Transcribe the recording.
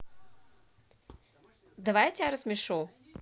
давай я тебя рассмешу